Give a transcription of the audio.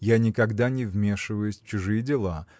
– Я никогда не вмешиваюсь в чужие дела